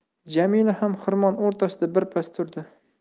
jamila ham xirmon o'rtasida birpas turdi